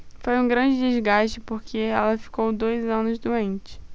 foi um grande desgaste porque ela ficou dois anos doente